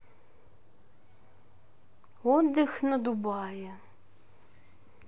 отдых на дубае